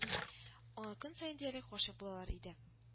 Аңа көн саен диярлек гашыйк булалар иде